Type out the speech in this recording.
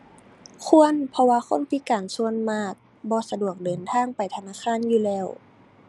ควร เพราะว่าคนพิการส่วนมาก บ่สะดวกเดินทางไปธนาคารอยู่แล้ว